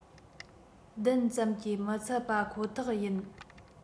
བདུན ཙམ གྱིས མི ཚད པ ཁོ ཐག ཡིན